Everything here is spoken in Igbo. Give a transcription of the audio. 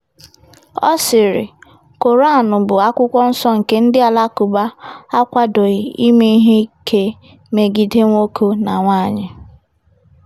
Ọ siri, Koranu bụ akwụkwọ nsọ nke ndị Alakụba akwadoghị ime ihe ike megide nwoke na nwaanyị.